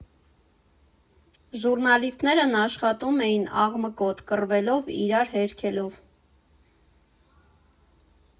Ժուռնալիստներն աշխատում էին աղմկոտ, կռվելով, իրար հերքելով։